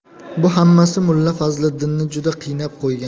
bu hammasi mulla fazliddinni juda qiynab qo'ygan